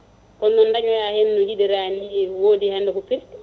komin dañoya hen no jiɗirani ne wodi hande ko firti